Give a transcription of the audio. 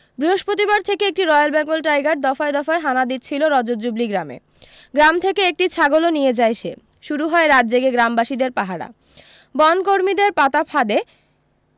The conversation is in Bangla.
বৃহস্পতিবার থেকে একটি রয়্যাল বেঙ্গল টাইগার দফায় দফায় হানা দিচ্ছিল রজতজুবলি গ্রামে গ্রাম থেকে একটি ছাগলও নিয়ে যায় সে শুরু হয় রাত জেগে গ্রামবাসীদের পাহারা বনকর্মীদের পাতা ফাঁদে